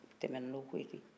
u tɛmɛna ni o ko ye ten